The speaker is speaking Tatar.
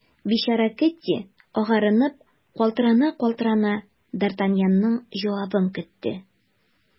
Бичара Кэтти, агарынып, калтырана-калтырана, д’Артаньянның җавабын көтте.